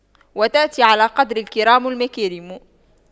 وتأتي على قدر الكرام المكارم